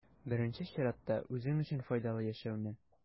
Беренче чиратта, үзең өчен файдалы яшәүне.